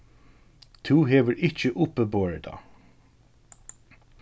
tú hevur ikki uppiborið tað